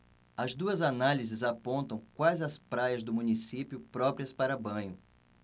as duas análises apontam quais as praias do município próprias para banho